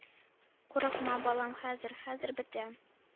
— курыкма, балам, хәзер... хәзер бетә,